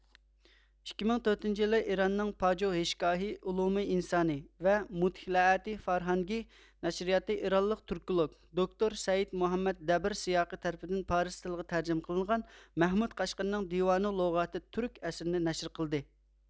ئىككى مىڭ تۆتىنچى يىلى ئىراننىڭ پاجۇھېشگاھى ئۇلۇمى ئىنسانى ۋە مۇتھلەئەتى فارھانگى نەشرىياتى ئىرانلىق تۈركولوگ دوكتۇر سەئىد مۇھەممەد دەبر سىياقى تەرىپىدىن پارس تىلىغا تەرجىمە قىلىنغان مەھمۇد قەشقەرىنىڭ دىۋانۇ لۇغاتىت تۈرك ئەسىرىنى نەشر قىلدى